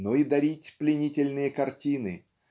но и дарить пленительные картины